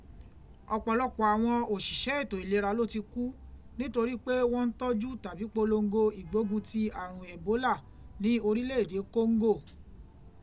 Ọ̀pọ̀lọpọ̀ àwọn òṣìṣẹ́ ètò ìlera ló ti kú nítorí pé wọ́n ń tọ́jú tàbí polongo ìgbógun ti àrùn ẹ̀bólà ní orílẹ̀ èdè Kóńgò.